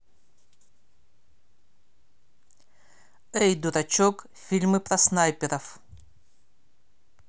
эй дурачок фильмы про снайперов